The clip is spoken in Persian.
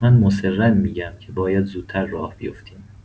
من مصرا می‌گم که باید زودتر راه بیفتیم.